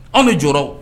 Anw de jɔra wo.